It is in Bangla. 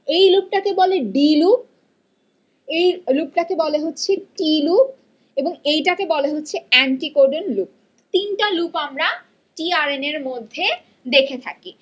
এই লুপটাকে বলি ডি লুপ এই লুপটাকে বলি হচ্ছে টি লুপ এবং এইটা কে বলে হচ্ছে এন্টিকোডন লুক তিনটা লুপ আমরা টি আর এন এর মধ্যে দেখে থাকি